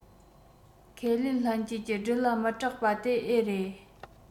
ཁས ལེན ལྷན སྐྱེས ཀྱི སྦྲུལ ལ མི སྐྲག པ དེ ཨེ རེད